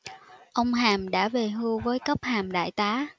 ông hàm đã về hưu với cấp hàm đại tá